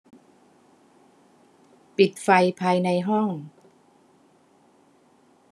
ปิดไฟภายในห้อง